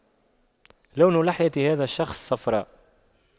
لون لحية هذا الشخص صفراء